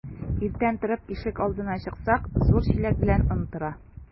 Иртән торып ишек алдына чыксак, зур чиләк белән он тора.